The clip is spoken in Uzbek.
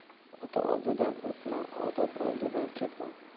ota oldidan o'tma odob oldidan ketma